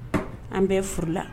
An bɛ furu la